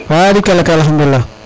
barikala kay Alkhadoulilah